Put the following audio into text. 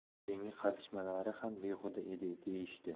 keyingi qazishmalari ham behuda edi deyishdi